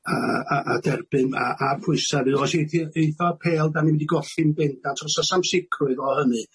a a a derbyn, a a'r pwysa' fyd, os eith 'i eith o i apêl, 'dan ni'n mynd i golli'n bendant, achos do's 'am sicrwydd o hynny.